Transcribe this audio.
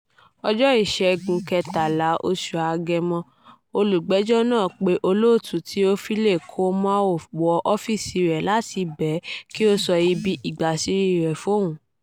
Ọjọ́ Ìṣẹ́gun, 13 oṣù Agẹmọ, olùgbẹ́jọ́ náà pe olóòtú Théophile Kouamouo wọ ọ́fíìsì rẹ̀ láti bẹ́ ẹ̀ pé kí ó sọ ibi ìgbàṣírí rẹ̀ fún òun.